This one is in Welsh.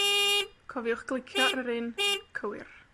Cofiwch glicio ar yr un cywir